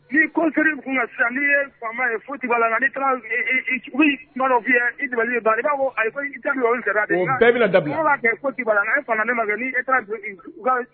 Sisan ni la' la ne ma